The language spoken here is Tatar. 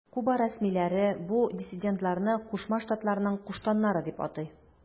Куба рәсмиләре бу диссидентларны Кушма Штатларның куштаннары дип атый.